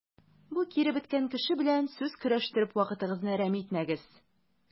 Бу киребеткән кеше белән сүз көрәштереп вакытыгызны әрәм итмәгез.